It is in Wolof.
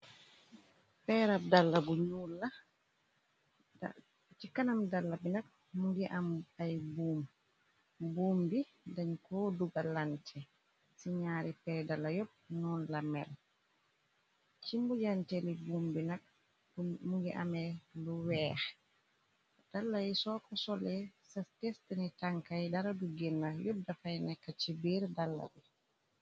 Peerab dalle bu ñuul, ci kanam dalla bi nak mungi ay buum, buum bi dañ ko dugalante si ñaari peeri dala yopp ñoon la mel, ci mbujanteli buum bi nak mu ngi amee lu weex, dala yi soo ko solee sa testni tankay dara du genna yób dafay nekka ci biir dalla bi.